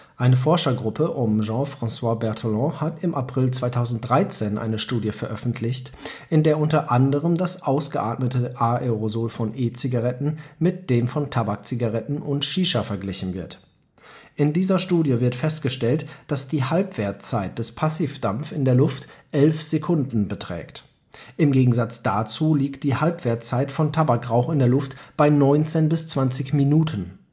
Eine Forschergruppe um J.-F. Bertholon hat im April 2013 eine Studie veröffentlicht, in der unter anderem das ausgeatmete Aerosol von E-Zigaretten mit dem von Tabakzigaretten und Shisha verglichen wird. In dieser Studie wird festgestellt, dass die Halbwertszeit des Passivdampf in der Luft 11 Sekunden beträgt. Im Gegensatz dazu liegt die Halbwertzeit von Tabakrauch in der Luft bei 19 bis 20 Minuten